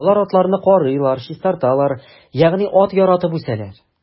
Алар атларны карыйлар, чистарталар, ягъни ат яратып үсәләр.